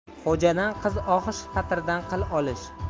xo'jadan qiz ohsh patirdan qil olish